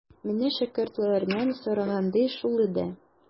Менә шәкертләрнең сораганы шул иде.